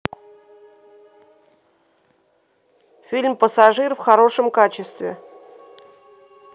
фильм пассажир в хорошем качестве